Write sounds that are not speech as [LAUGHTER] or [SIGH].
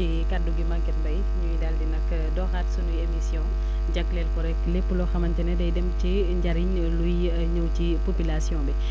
ci kàddu gi Maguette Mbaye ñu daal di nag dooraat sunuy émissions jagleel ko rek lépp loo xamante ne day dem ci njëriñ luy ñëw ci population bi [BREATH]